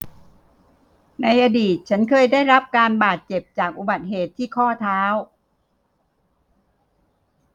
ในอดีตฉันเคยได้รับการบาดเจ็บจากอุบัติเหตุที่ข้อเท้า